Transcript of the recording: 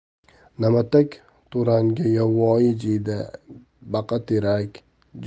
namatak to'rang'i yovvoyi jiyda baqaterak